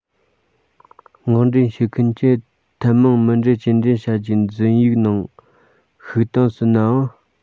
མངགས འདྲེན བྱེད མཁན གྱིས ཐབས མང མུ འབྲེལ སྐྱེལ འདྲེན བྱ རྒྱུའི འཛིན ཡིག ནང བཤུག བཏང ཟིན ནའང